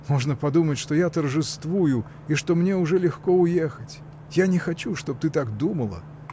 Можно подумать, что я торжествую и что мне уже легко уехать: я не хочу, чтобы ты так думала.